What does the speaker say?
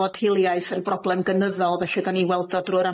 bod hiliaeth yn broblem gynyddol felly 'dan ni weld o drw'r